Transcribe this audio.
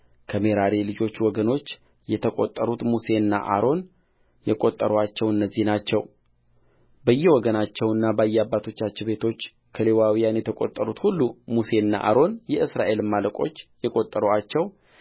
ከሜራሪ ልጆች ወገኖች የተቈጠሩት ሙሴና አሮን የቈጠሩአቸው እነዚህ ናቸውበየወገናቸውና በየአባቶቻቸው ቤቶች ከሌዋውያን የተቈጠሩት ሁሉ ሙሴና አሮን የእስራኤልም አለቆች የቈጠሩአቸው